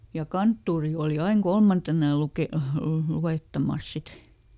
ja kanttori oli aina kolmantena ja - luettamassa sitten